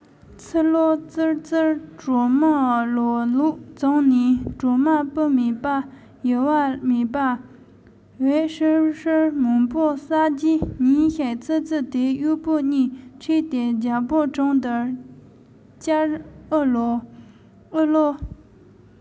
ཕྱི ལོ ཙི ཙིར གྲོ མའི ལོ ལེགས བྱུང ནས གྲོ མ སྤུ མེད པ ཡུ བ མེད པ འོད ཧྲིལ ཧྲིལ མང མོ བསགས རྗེས ཉིན ཞིག ཙི ཙི དེས གཡོག པོ གཉིས ཁྲིད དེ རྒྱལ པོའི དྲུང དུ བཅར ཨུ ལའོ ཨུ ལའོ